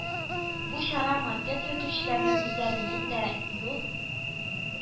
Бу чара мопед йөртүчеләрнең үзләренең дә, юл